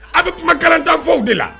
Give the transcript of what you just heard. A bɛ kuma kalantan fɔw de la